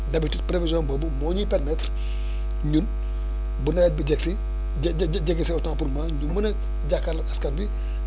d' habitude prévision boobu moo ñuy permettre ñun bu nawet bi di yegg si je je jege si autant pour moi ñu mën a jàkkaarloog askan wi